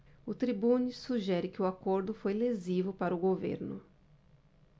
o tribune sugere que o acordo foi lesivo para o governo